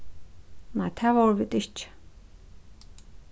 nei tað vóru vit ikki